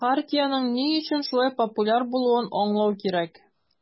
Хартиянең ни өчен шулай популяр булуын аңлау кирәк.